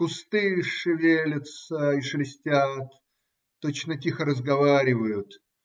Кусты шевелятся и шелестят, точно тихо разговаривают.